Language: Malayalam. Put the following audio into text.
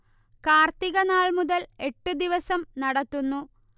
കാർത്തിക നാൾ മുതൽ എട്ടു ദിവസം നടത്തുന്നു